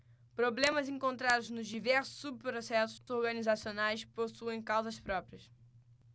problemas encontrados nos diversos subprocessos organizacionais possuem causas próprias